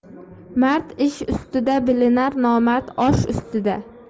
mard ish ustida bilinar nomard osh ustida